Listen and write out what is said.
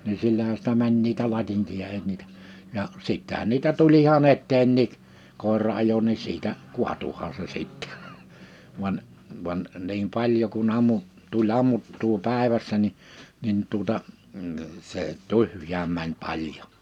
niin sillähän sitä meni niitä latinkia ei ollut niitä ja sittenhän niitä tuli ihan eteenkin koira ajoi niin siitä kaatuihan se sitten vain vain niin paljon kun - tuli ammuttua päivässä niin niin tuota - se tyhjään meni paljon